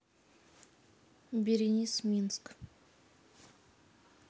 беренис минск